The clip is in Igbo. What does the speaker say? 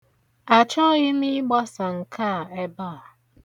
Achọghị m ịgbasa nke a ebe a.